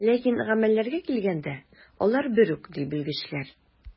Ләкин гамәлләргә килгәндә, алар бер үк, ди белгечләр.